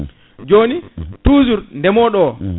joni toujours ndeemoɗo o